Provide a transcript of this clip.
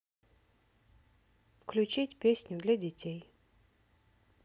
включить песню для детей